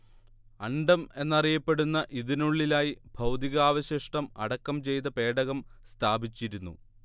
അണ്ഡം എന്നറിയപ്പെടുന്ന ഇതിനുള്ളിലായി ഭൗതികാവശിഷ്ടം അടക്കം ചെയ്ത പേടകം സ്ഥാപിച്ചിരുന്നു